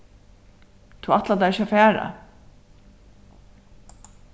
tú ætlar tær ikki at fara